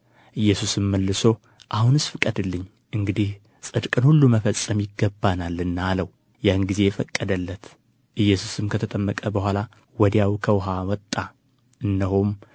ኢየሱስም መልሶ አሁንስ ፍቀድልኝ እንዲህ ጽድቅን ሁሉ መፈጸም ይገባናልና አለው ያን ጊዜ ፈቀደለት ኢየሱስም ከተጠመቀ በኋላ ወዲያው ከውኃ ወጣ እነሆም